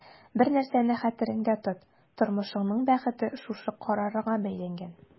Бер нәрсәне хәтерендә тот: тормышыңның бәхете шушы карарыңа бәйләнгән.